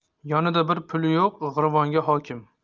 yonida bir puli yo'q g'irvonga hokim